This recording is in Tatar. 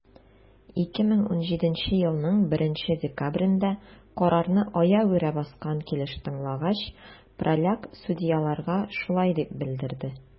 2017 елның 1 декабрендә, карарны аягүрә баскан килеш тыңлагач, праляк судьяларга шулай дип белдерде: